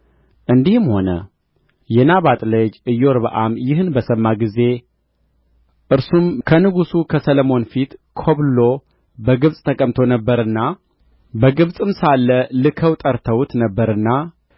እንዲህም ሆነ የናባጥ ልጅ ኢዮርብዓም ይህን በሰማ ጊዜ እርሱም ከንጉሡ ከሰሎሞን ፊት ኰብልሎ በግብጽ ተቀምጦ ነበርና በግብጽም ሳለ ልከው ጠርተውት ነበርና